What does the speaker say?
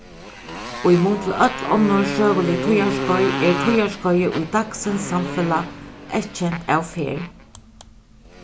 í mun til øll onnur søgulig tíðarskeið er tíðarskeiðið í dagsins samfelag eyðkent av ferð